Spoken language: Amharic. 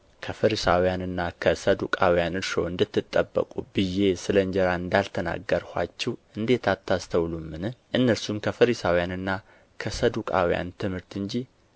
ከፈሪሳውያንና ከሰዱቃውያን እርሾ እንድትጠበቁ ብዬ ስለ እንጀራ እንዳልተናገርኋችሁ እንዴት አታስተውሉምን እነርሱም ከፈሪሳውያንና ከሰዱቃውያን ትምህርት እንጂ